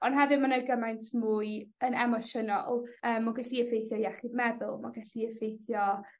On' hefyd ma' 'na gymaint mwy yn emosiynol yym ma'n gallu effeithio iechyd meddwl ma'n gallu effeithio